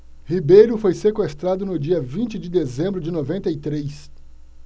ribeiro foi sequestrado no dia vinte de dezembro de noventa e três